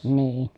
niin